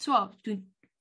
t'wo' dwi'n